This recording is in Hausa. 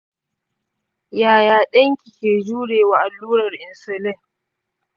yaya ɗanki ke jure wa allurar insulin?